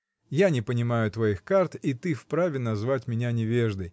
Я не понимаю твоих карт, и ты вправе назвать меня невеждой.